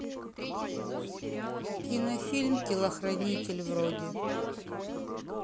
кинофильм телохранитель вроде